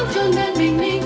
bình yên ngày